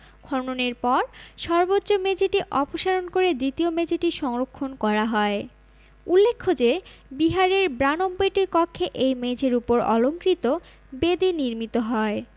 খননের পর সর্বোচ্চ মেঝেটি অপসারণ করে দ্বিতীয় মেঝেটি সংরক্ষণ করা হয় উল্লেখ্য যে বিহারের ৯২টি কক্ষে এই মেঝের উপর অলংকৃত বেদি নির্মিত হয়